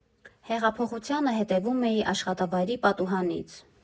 Հեղափոխությանը հետևում էի աշխատավայրի պատուհանից։